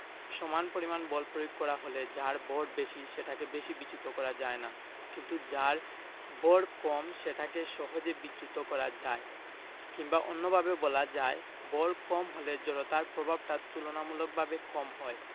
সমান পরিমাণ বল প্রয়োগ করা হলে যার ভর বেশি সেটাকে বেশি বিচ্যুত করা যায় না কিন্তু যার ভর কম সেটাকে সহজে বিচ্যুত করা যায় কিংবা অন্যভাবে বলা যায় ভর কম হলে জড়তার প্রভাবটা তুলনামূলকভাবে কম হয়